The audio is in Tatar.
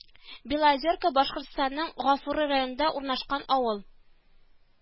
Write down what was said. Белоозерка Башкортстанның Гафури районында урнашкан авыл